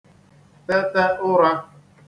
tète ụrā